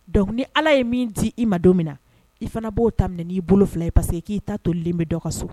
Donc ni allah ye min di i ma don min na i fana b'o ta n'i bolo fila ye parce que _ k'i ta tolen bɛ dɔ ka so